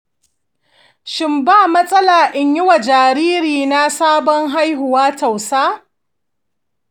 shin ba matsala in yi wa jaririna sabon haihuwa tausa?